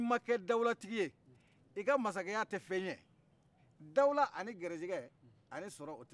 dawula ani garisɛgɛ ani sɔrɔ olu tɛ kelen ye